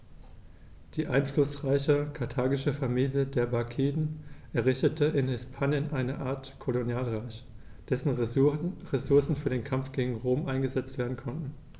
Die einflussreiche karthagische Familie der Barkiden errichtete in Hispanien eine Art Kolonialreich, dessen Ressourcen für den Kampf gegen Rom eingesetzt werden konnten.